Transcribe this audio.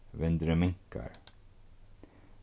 vindurin minkar